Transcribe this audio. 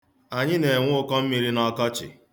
Anyị na-enwe ụkọ mmiri n'ọkọchị.